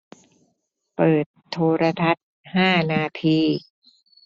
เปิดโทรทัศน์ห้านาที